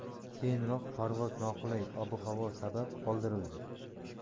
keyinroq parvoz noqulay ob havo sabab qoldirildi